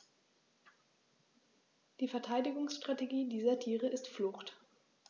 Die Verteidigungsstrategie dieser Tiere ist Flucht.